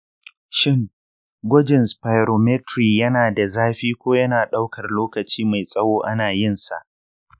shin gwajin spirometry yana da zafi ko yana ɗaukar lokaci mai tsawo ana yin sa?